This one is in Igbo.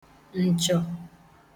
ǹchọ̀